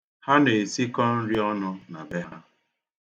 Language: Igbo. Ha na-esikọ nri ọnụ na be ha.